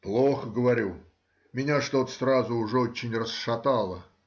— Плохо,— говорю,— меня что-то сразу уже очень расшатало.